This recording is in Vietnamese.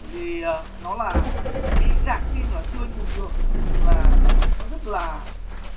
bởi vì nó là cái dạng phim mà siêu anh hùng ngược là nó rất là